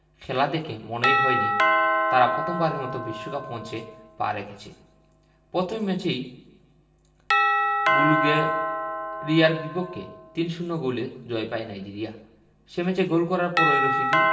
খেলা দেখে মনেই হয়নি তারা প্রথমবারের মতো বিশ্বকাপের মঞ্চে পা রেখেছে প্রথম ম্যাচেই বুলগেরিয়ার বিপক্ষে ৩ ০ গোলের জয় পায় নাইজেরিয়া সে ম্যাচে গোল করার পরই রশিদী